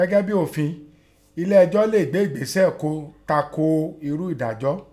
Gẹ́gẹ́ bí òfi, elé ẹjọ́ lé gbé ègbésẹ̀ kọ́ tako irúu ẹ̀dájọ́